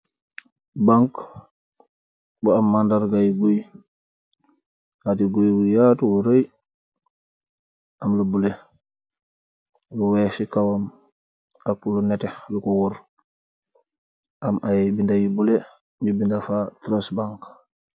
"Bank"bu am màndargay guy, taati guy bu yaatu bu rëy, am la bula lu weex ci kawam, ak lu nétté lu ko wor, am ay binda yu bulo ñu bindafa "trust bank".